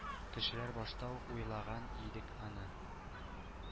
Кешеләр: «Башта ук уйлаган идек аны,